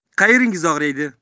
qayeringiz og'riydi